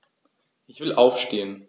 Ich will aufstehen.